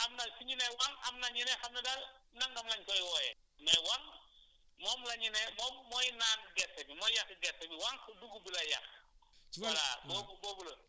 voilà waŋ la mais am na ñu ne waŋ am na ñu ne xam nga daal nangam la ñu koy wooyee mais waŋ moom la ñu ne moom mooy naan gerte bi mooy yàq gerte bi wànq dugub bi lay yàq